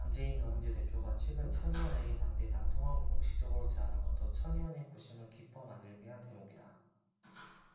문재인 더민주 대표가 최근 천 의원에게 당대 당 통합을 공식적으로 제안한 것도 천 의원의 고심을 깊어 만들게 한 대목이다